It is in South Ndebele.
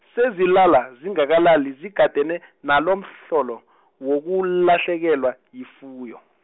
sezilala zingakalali zigadane, nalomhlolo , wokulahlekelwa , yifuyo.